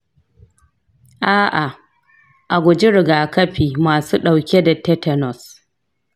a'a, a guji rigakafi masu dauke da tetanus.